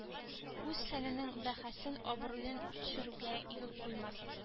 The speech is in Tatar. Үз фәненең бәһасен абруен төшерүгә юл куймас